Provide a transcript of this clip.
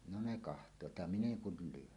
no ne katsovat ja minä en kuin lyön